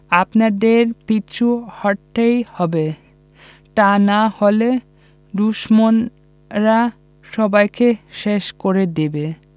আপনাদের পিছু হটতেই হবে তা না হলে দুশমনরা সবাইকে শেষ করে দেবে